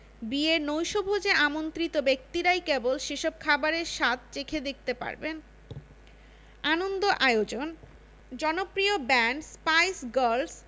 বিয়ের নৈশভোজে আমন্ত্রিত ব্যক্তিরাই কেবল সেসব খাবারের স্বাদ চেখে দেখতে পারবেন আনন্দ আয়োজন জনপ্রিয় ব্যান্ড স্পাইস গার্লস